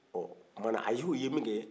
ɔ o tuma na a y'o ye minkɛ